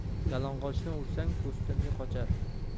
yalang'ochni ursang po'stinli qochar